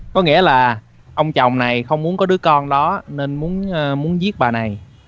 có nghĩa là ông chồng này không muốn có đứa con đó nên muốn ơ muốn giết bà này